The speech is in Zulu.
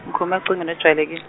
ngikhuluma ecingweni olujwayelekil-.